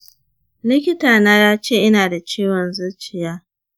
likita na yace ina da ciwon zuciya